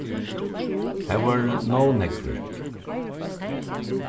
har vóru nóg nógvir